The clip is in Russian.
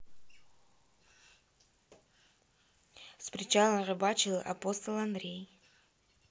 с причала рыбачил апостол андрей